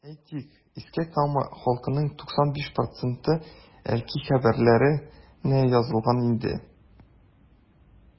Әйтик, Иске Камка халкының 95 проценты “Әлки хәбәрләре”нә язылган инде.